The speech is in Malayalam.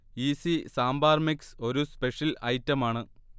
ഈസി സാമ്പാർ മിക്സ് ഒരു സ്പെഷ്യൽ ഐറ്റമാണ്